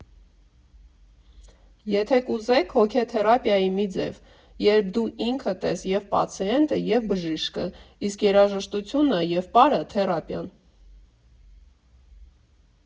Եթե կուզեք՝ հոգեթերապիայի մի ձև, երբ դու ինքդ ես և՛ պացիենտը, և՛ բժիշկը, իսկ երաժշտությունը և պարը՝ թերապիան։